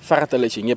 farata la ci ñëpp